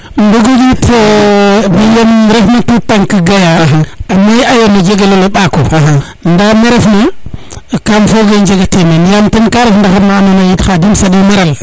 ɗuguƴ it ye ref ma tutank gaya a may ayo no jegelole Mbako nda me ref na ka foge jega te men yam ka ref ndaxar na it Khadim saɗe maral